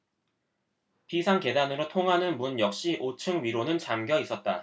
비상계단으로 통하는 문 역시 오 층 위로는 잠겨 있었다